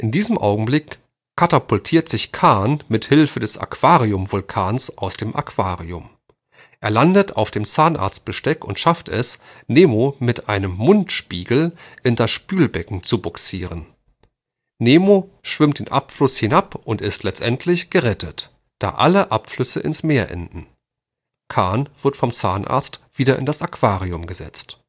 diesem Augenblick katapultiert sich Khan mit Hilfe des Aquarium-Vulkans aus dem Aquarium. Er landet auf dem Zahnarztbesteck und schafft es, Nemo mit einem Mundspiegel in das Spülbecken zu bugsieren. Nemo schwimmt den Abfluss hinab und ist letztlich gerettet, da alle Abflüsse im Meer enden. Khan wird vom Zahnarzt wieder in das Aquarium gesetzt